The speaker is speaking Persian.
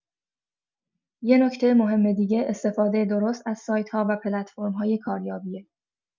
یه نکته مهم دیگه، استفاده درست از سایت‌ها و پلتفرم‌های کاریابیه.